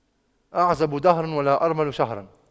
أعزب دهر ولا أرمل شهر